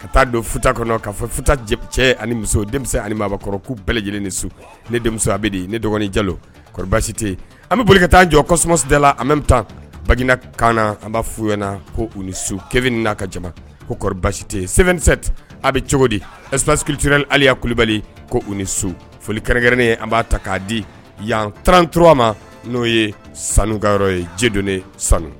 Ka taaa don futa kɔnɔ kaa fɔ futa cɛ ani muso denmisɛn ani mabɔkɔrɔ'u bɛɛ lajɛlen ni su ne denmuso a bɛdi ne dɔgɔnin jalosite an bɛ boli ka taa jɔ kɔsɔnda la an bɛ bɛ taa bagina kaana an b'a f'y na ko u ni su ke n'a ka jama kosite sɛbɛnsɛte a bɛ cogo di essa kilitirali ali'a kulubali ko u ni su foli kɛrɛnkɛrɛnnen an b'a ta k'a di yan tanranura ma n'o ye sanukayɔrɔ ye jidon ne sanu